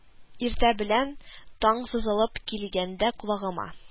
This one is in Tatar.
Иртә белән, таң сызылып килгәндә, колагыма: